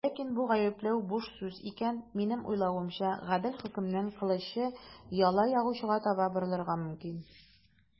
Ләкин бу гаепләү буш сүз икән, минем уйлавымча, гадел хөкемнең кылычы яла ягучыга таба борылырга мөмкин.